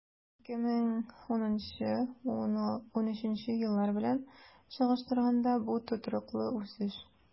2010-2013 еллар белән чагыштырганда, бу тотрыклы үсеш.